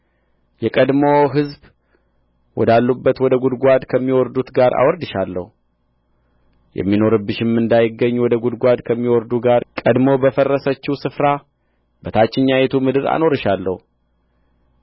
የቀድሞ ሕዝብ ወዳሉበት ወደ ጕድጓድ ከሚወርዱት ጋር አወርድሻለሁ የሚኖርብሽም እንዳይገኝ ወደ ጕድጓድ ከሚወርዱ ጋር ቀድሞ በፈረሰችው ስፍራ በታችኛይቱ ምድር አኖርሻለሁ